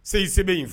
Seyi sɛbɛn yen